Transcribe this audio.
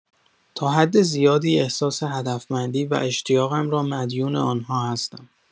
تا حد زیادی احساس هدفمندی و اشتیاقم را مدیون آن‌ها هستم.